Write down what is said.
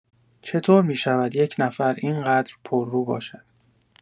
چه‌طور می‌شود یک نفر این‌قدر پررو باشد؟